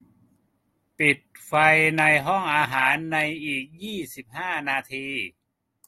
ปิดไฟในห้องอาหารในอีกยี่สิบห้านาที